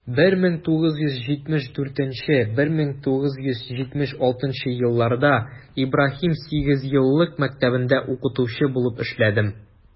1974 - 1976 елларда ибраһим сигезьеллык мәктәбендә укытучы булып эшләдем.